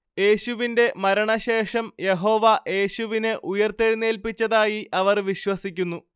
യേശുവിന്റെ മരണശേഷം യഹോവ യേശുവിനെ ഉയർത്തെഴുന്നേൽപ്പിച്ചതായി അവർ വിശ്വസിക്കുന്നു